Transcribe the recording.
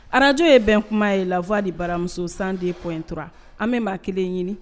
Arajo ye bɛn kuma ye lafadi baramuso san de kɔ intura an bɛ b'a kelen ɲini